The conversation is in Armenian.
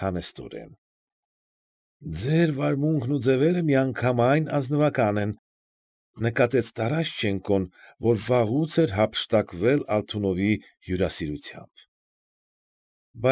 Համեստորեն։ ֊ Ձեր վարմունքն ու ձևերը միանգամայն ազնվնականի են,֊ նկատեց Տարաշչենկոն, որ վաղուց էր հափշտակվել Ալթունովի հյուրասիրությամբ։ ֊